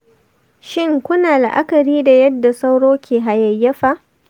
shin kuni la; akari da yadda sauro ke hayayyafa?